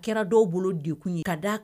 A kɛra dɔw bolo dekun ye k'a d'a